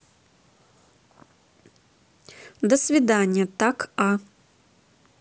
до свидания так а